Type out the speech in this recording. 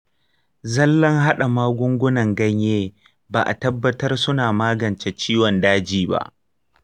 zallan hada magungunan ganye ba'a tabbatar suna magance ciwon daji ba.